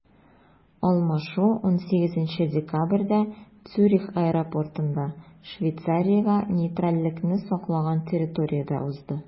Алмашу 18 декабрьдә Цюрих аэропортында, Швейцариягә нейтральлекне саклаган территориядә узды.